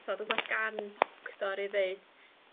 t'od wbath gan doctor i ddeud